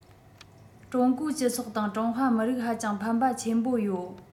ཀྲུང གོའི སྤྱི ཚོགས དང ཀྲུང ཧྭ མི རིགས ཧ ཅང ཕན པ ཆེན པོ ཡོད